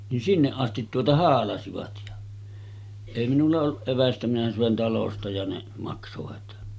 niin sinne asti tuota haalasivat ja ei minulla ollut evästä minä söin talosta ja ne maksoivat